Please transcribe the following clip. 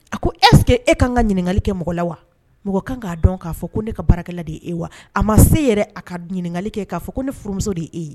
A ko est ce que e kan ka ɲininkali kɛ mɔgɔ la wa, mɔgɔ kan k'a dɔn k'a fɔ ko ne ka baarakɛla de ye e ye wa a ma se yɛrɛ a ka ɲininkali kɛ k'a fɔ ko ne furumuso de ye e ye